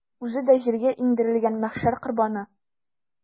Үзе дә җиргә иңдерелгән мәхшәр корбаны.